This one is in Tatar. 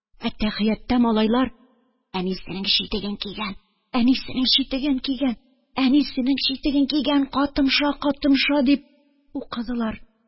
Әттәхиятта малайлар: – Әнисенең читеген кигән, әнисенең читеген кигән, әнисенең читеген кигән, катымша, катымша, – дип укыдылар.